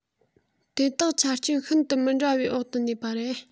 དེ དག ཆ རྐྱེན ཤིན ཏུ མི འདྲ བའི འོག ཏུ གནས པ རེད